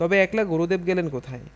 তবে একলা গুরুদেব গেলেন কোথায়